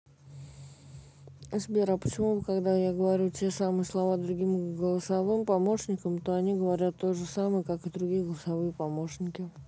сбер а почему вы когда я говорю те самые слова другим голосовым помощником то они говорят то же самое как и другие голосовые помощники